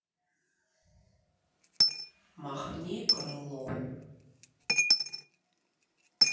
махни крылом